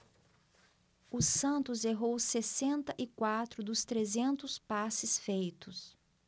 o santos errou sessenta e quatro dos trezentos passes feitos